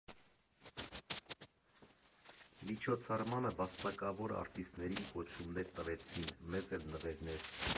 Միջոցառմանը վաստակավոր արտիստներին կոչումներ տվեցին, մեզ էլ՝ նվերներ։